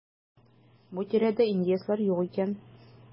Бу тирәдә индеецлар юк икән.